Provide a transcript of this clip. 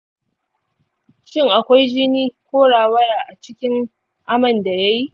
shin akwai jini ko rawaya a cikin aman da yayi?